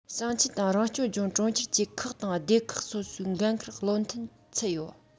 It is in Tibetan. ཞིང ཆེན དང རང སྐྱོང ལྗོངས གྲོང ཁྱེར བཅས ཁག དང སྡེ ཁག སོ སོའི འགན ཁུར བློ མཐུན ཚུད ཡོད